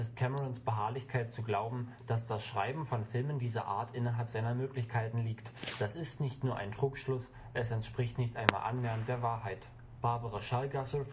Camerons Beharrlichkeit zu glauben, dass das Schreiben von Filmen dieser Art innerhalb seiner Möglichkeiten liegt. Das ist nicht nur ein Trugschluss – es entspricht nicht einmal annähernd der Wahrheit. “Barbara Shulgasser